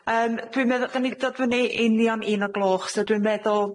Yym, dwi'n meddwl- 'dan ni'n dod fyny i union un o gloch so dwi'n meddwl